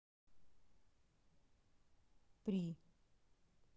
при